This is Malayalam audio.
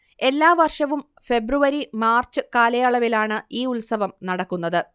എല്ലാ വർഷവും ഫെബ്രുവരി മാർച്ച് കാലയളവിൽ ആണ് ഈ ഉത്സവം നടക്കുന്നത്